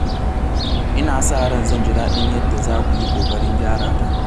Ina sa ran zan ji daɗin yadda za ku yi ƙoƙarin gyara ta.